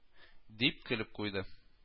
Дип көлеп куйды